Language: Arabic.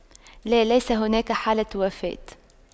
لا ليس هناك حالة وفاة